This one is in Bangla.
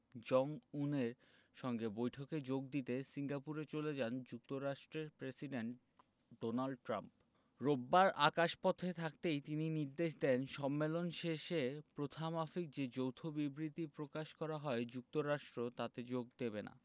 জং উনের সঙ্গে বৈঠকে যোগ দিতে সিঙ্গাপুরে চলে যান যুক্তরাষ্ট্রের প্রেসিডেন্ট ডোনাল্ড ট্রাম্প রোববার আকাশপথে থাকতেই তিনি নির্দেশ দেন সম্মেলন শেষে প্রথামাফিক যে যৌথ বিবৃতি প্রকাশ করা হয় যুক্তরাষ্ট্র তাতে যোগ দেবে না